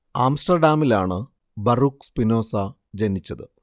ആംസ്റ്റർഡാമിലാണ് Baruch Spinoza ജനിച്ചത്